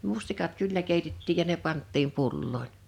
mustikat kyllä keitettiin ja ne pantiin pulloihin